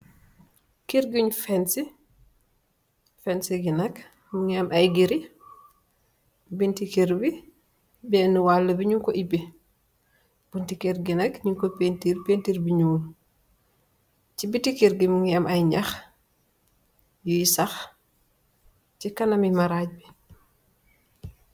Ker gunj fense, fense ngi nak mingi am ay geri, bunti kergi bena walagi nyunko oobi, bunti kergi nag nyun ko painteur, painteur bu nyuul, ci biti kergi mingi am ay nyax yuy sax, si kanamin maraj bi